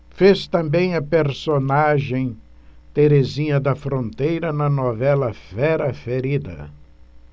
fez também a personagem terezinha da fronteira na novela fera ferida